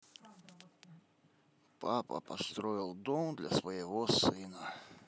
папа построил дом для своего сына